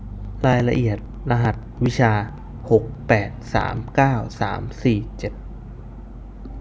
รายละเอียดรหัสวิชาหกแปดสามเก้าสามสี่เจ็ด